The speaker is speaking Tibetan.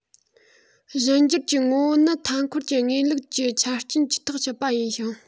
གཞན འགྱུར གྱི ངོ བོ ནི མཐའ འཁོར གྱི དངོས ལུགས ཀྱི ཆ རྐྱེན གྱིས ཐག གཅོད པ ཡིན ཞིང